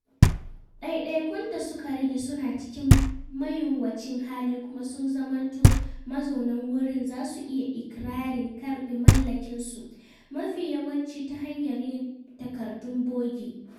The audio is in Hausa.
ɗaiɗaikun da suka rage suna cikin mayuwacin hali kuma sun zamanto mazauna wurin za su iya iƙirarin karɓe mallakinsu (mafi yawanci ta hanyar yin takardun bogi).